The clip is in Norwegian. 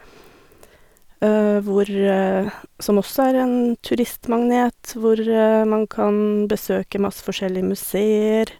hvor Som også er en turistmagnet, hvor man kan besøke masse forskjellige museer.